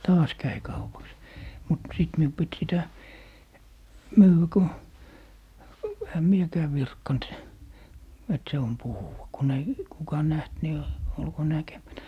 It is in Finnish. taas kävi kaupaksi mutta sitten minun piti sitä myydä kun enhän minäkään virkkanut että se on puhuva kun ei kuka nähnyt niin olkoon näkemättä